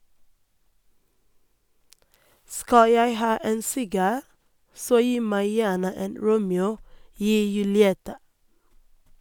Skal jeg ha en sigar så gi meg gjerne en "Romeo y Julieta".